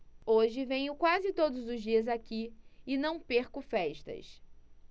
hoje venho quase todos os dias aqui e não perco festas